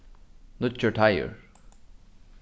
nýggjur teigur